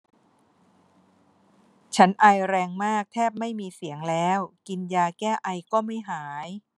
ฉันไอแรงมากแทบไม่มีเสียงแล้วกินยาแก้ไอก็ไม่หาย